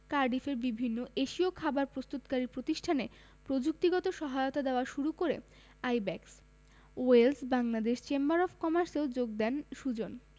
কার্ডিফের বিভিন্ন এশীয় খাবার প্রস্তুতকারী প্রতিষ্ঠানে প্রযুক্তিগত সহায়তা দেওয়া শুরু করে আইব্যাকস ওয়েলস বাংলাদেশ চেম্বার অব কমার্সেও যোগ দেন সুজন